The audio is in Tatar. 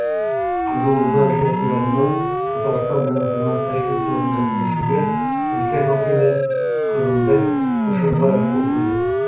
Кызыл Урда өлкәсе ягыннан Татарстан белән хезмәттәшлек турында килешүгә өлкә хакиме Кырымбәк Кушербаев кул куйды.